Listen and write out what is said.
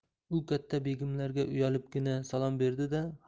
u katta begimlarga uyalibgina salom berdi